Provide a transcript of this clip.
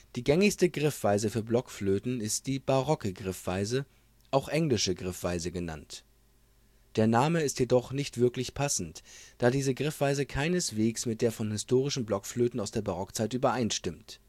Die gängigste Griffweise für Blockflöten ist die " barocke " Griffweise, auch englische Griffweise genannt. Der Name ist jedoch nicht wirklich passend, da diese Griffweise keineswegs mit der von historischen Blockflöten aus der Barockzeit übereinstimmt